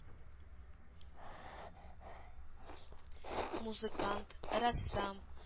Музыкант, рәссам